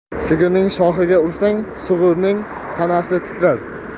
sigirning shoxiga ursang sug'urning tanasi titrar